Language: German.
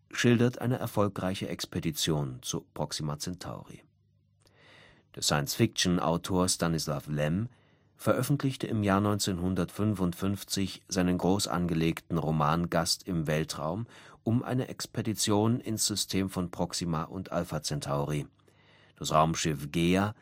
schildert eine erfolgreiche Expedition zu Proxima Centauri. Der Science-Fiction-Autor Stanisław Lem veröffentlichte im Jahre 1955 seinen großangelegten Roman Gast im Weltraum um eine Expedition ins System von Proxima und Alpha Centauri. Das Raumschiff Gea